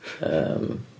Yym.